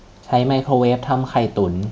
ใช้ไมโครเวฟทำไข่่ตุ๋น